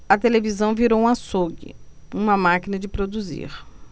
a televisão virou um açougue uma máquina de produzir